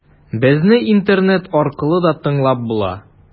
Безне интернет аркылы да тыңлап була.